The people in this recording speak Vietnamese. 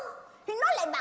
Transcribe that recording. thì